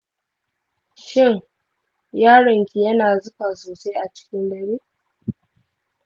shin yaron ki yana zufa sosai a cikin dare?